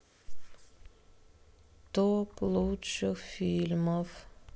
топ лучших фильмов